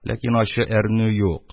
Ләкин ачы әрнү юк,